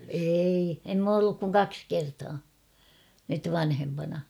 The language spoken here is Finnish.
ei en minä ole ollut kuin kaksi kertaa nyt vanhempana